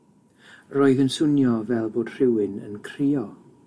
Roedd yn swnio fel bod rhywun yn crio.